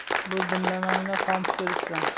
bu dimlamangni xom pishiribsan